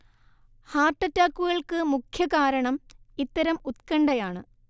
heart അറ്റാക്കുകൾക്കു മുഖ്യ കാരണം ഇത്തരം ഉത്കണഠയാണ്